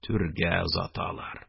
Түргә озаталар..